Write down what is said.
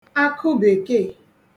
akụbèkeè